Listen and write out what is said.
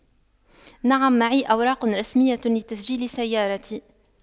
نعم معي أوراق رسمية لتسجيل السيارة